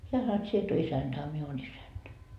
hän sanoi et sinä et ole isäntä a minä olen isäntä